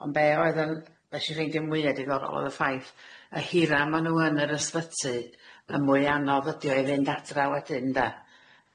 Ond be' oedd yn nesh i ffeindio mwya diddorol oedd y ffaith, y hira ma' nw yn yr ysbyty, y mwy anodd ydi o i fynd adra wedyn nde?